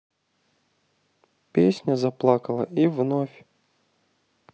песня заплакала и вновь